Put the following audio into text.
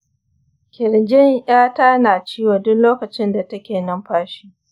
kirjin 'yata na ciwo duk lokacin da take numfashi.